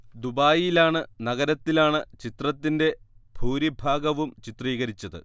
ദുബായിലാണ് നഗരത്തിലാണ് ചിത്രത്തിന്റെ ഭൂരിഭാഗവും ചിത്രീകരിച്ചത്